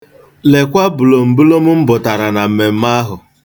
Lekwa bolombolo m bụtara na mmemme ahụ.